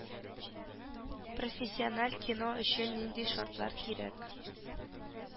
Профессиональ кино өчен нинди шартлар кирәк